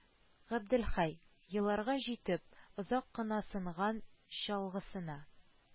Габделхәй, еларга җитеп озак кына сынган чалгысына